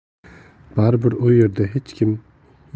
bari bir u yerda